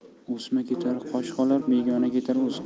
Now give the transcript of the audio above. o'sma ketar qosh qolar begona ketar o'z qolar